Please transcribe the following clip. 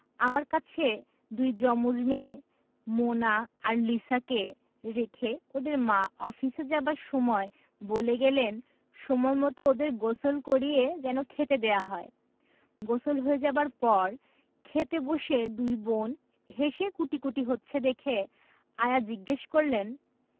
আমার কাছে দুই জমজ মেয়ে মোনা আর লিসাকে রেখে ওদের মা অফিসে যাবার সময় বলে গেলেন সময়মত ওদের গোসল করিয়ে যেন খেতে দেওয়া হয় গোসল হয়ে যাবার পর খেতে বসে দুই বোন হেসে কুটিকুটি হচ্ছে দেখে আয়া জিজ্ঞেস করলেন